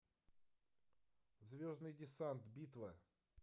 звездный десант битва